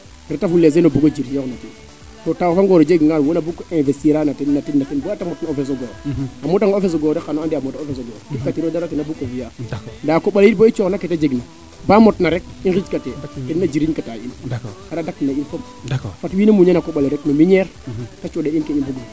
reta fule sen o bugo jirñoox no ten to taaw fa ngoor o jega ngan wona bug ko envestira na ten baya te matna o feso goor a mota nga o feso goor rek xano ande a mota o fespo goor fika tiro dara tena bug ko fiya ndaa a koɓale yit coono ke te jeg na baa motna rek i njij kate tena jiriñ kata in xana dak ina in fop fat wiin muñana koɓale rek no miñeer te cooxa in kee i mbug na